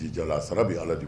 Jija san bɛ ala bi